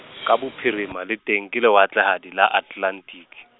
ka bophirima le teng ke lewatlehadi la Atlelantiki.